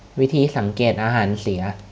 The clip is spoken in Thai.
วิธีสังเกตุอาหารเสีย